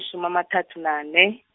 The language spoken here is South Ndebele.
-ma amathathu nane.